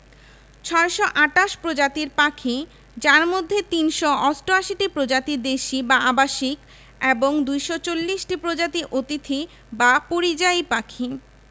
কক্সবাজার বিমান বন্দর যশোর বিমান বন্দর বরিশাল বিমান বন্দর রাজশাহী বিমান বন্দর সৈয়দপুর বিমান বন্দর নিলফামারী ঈশ্বরদী বিমান বন্দর পাবনা তেজগাঁও স্টল পোর্ট ঢাকা